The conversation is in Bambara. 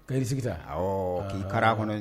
K' sigi ta ɔ k'i kari a kɔnɔ